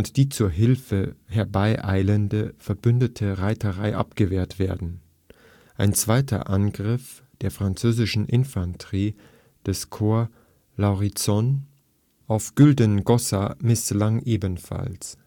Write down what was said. die zur Hilfe herbeieilende verbündete Reiterei abgewehrt werden. Ein zweiter Angriff der französischen Infanterie, des Korps Lauriston, auf Güldengossa misslang ebenfalls